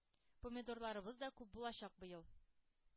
Помидорларыбыз да күп булачак быел.